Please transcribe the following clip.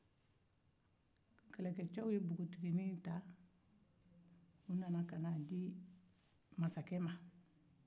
kɛlɛkɛcɛw ye npogotiginin ta ka n'a di u ka masakɛ ma